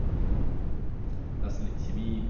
Leste litt kjemi.